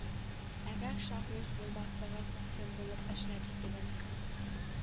Әгәр шагыйрь булмасагыз кем булып эшләр идегез